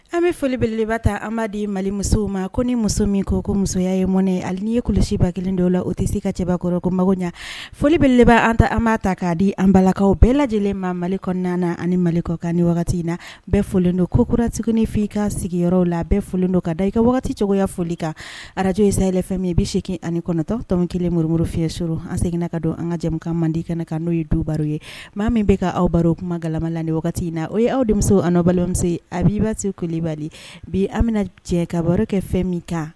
An bɛ foliele ta anba di mali musow ma ko ni muso min ko ko musoya ye mɔnɛ ale ye kulusiba kelen dɔw la o tɛ se ka cɛbakɔrɔ ko mago ɲɛ folibele an ta an bba ta k'a di anbalakaw bɛɛ lajɛlen ma mali kɔnɔna na ani mali kɔ kan ni wagati in na bɛɛ fɔlen don kokuraratikin f' i ka sigiyɔrɔw la bɛɛ don ka da i ka wagati cogoyaya foli kan arajo insay yɛrɛ fɛ min ye i bɛ see ani kɔnɔtɔ tɔw kelen morimuru fi sur an seginna ka don an ka jɛ mande kɛnɛ kan n'o ye du baro ye maa min bɛ ka aw baro u kuma galama la ni wagati in na o ye aw de a balimasen a b'i ba se kulibali bi amimina cɛ ka baro kɛ fɛn min kan